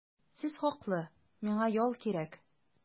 Сез хаклы, миңа ял кирәк.